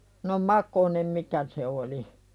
no makonen mikä se oli